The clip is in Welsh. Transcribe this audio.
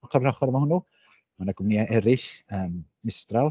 Ochr yn ochr efo hwnnw ma' 'na gwmnïau eraill yym Mistral.